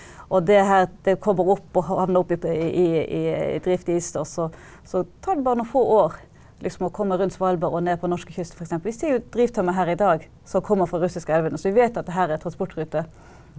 og det her det kommer opp og og havner opp i i driftis og så så tar det bare noen få liksom å komme rundt Svalbard og ned på norskekysten for eksempel, vi ser jo drivtømmer her i dag som kommer fra russiske elver, så vi vet at det her er en transportrute.